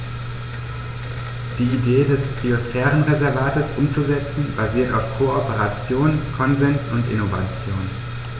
Die Idee des Biosphärenreservates umzusetzen, basiert auf Kooperation, Konsens und Innovation.